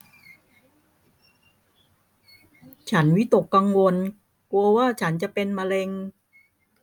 ฉันวิตกกังวลกลัวว่าฉันจะเป็นมะเร็ง